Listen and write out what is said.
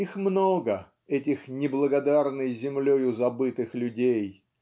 Их много, этих неблагодарной землею забытых людей